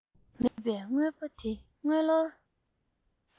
མེད པའི དངོས པོ དེ དངུལ ལོར